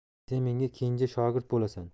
sen menga kenja shogird bo'lasan